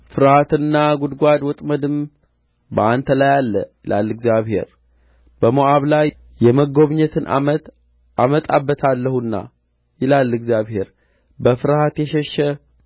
ፍርሃትና ጕድጓድ ወጥመድም በአንተ ላይ አለ ይላል እግዚአብሔር በሞዓብ ላይ የመጐብኘትን ዓመት አመጣበታለሁና ይላል እግዚአብሔር በፍርሃት የሸሸ